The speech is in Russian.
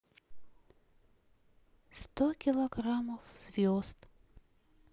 сто килограммов звезд